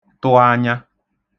tụ anya